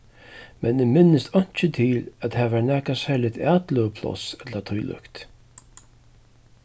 men eg minnist einki til at har var nakað serligt atløgupláss ella tílíkt